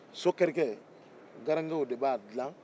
so kirikɛ garankew de b'a dilan